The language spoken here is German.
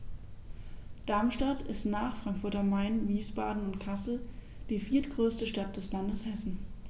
Darmstadt ist nach Frankfurt am Main, Wiesbaden und Kassel die viertgrößte Stadt des Landes Hessen